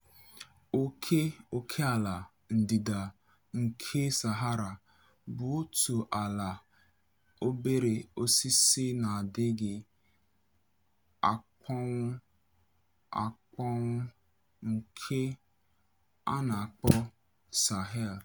Ókè ókèala ndịda nke Sahara bụ otu ala obere osisi na-adịghị akpọnwụ akpọnwụ nke a na-akpọ Sahel.